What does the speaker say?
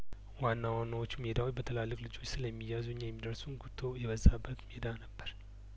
ዋና ዋናዎቹ ሜዳዎች በትላልቅ ልጆች ስለሚያዙ እኛ የሚደርሰን ጉቶ የበዛበት ሜዳ ነበር